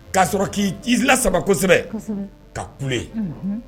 K'a sɔrɔ k'i disila sama kosɛbɛ, ka kule